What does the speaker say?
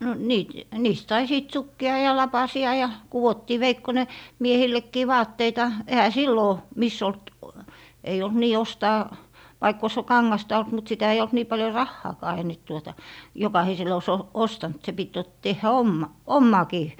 no no niitä niistä sai sitten sukkia ja lapasia ja kudottiin veikkonen miehillekin vaatteita eihän silloin missään ollut ei ollut niin ostaa vaikka olisi kangasta ollut mutta sitä ei ollut niin paljon rahaakaan ei nyt tuota jokaisella olisi - ostanut se piti - tehdä - omaakin